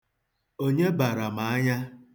Onye bara m anya?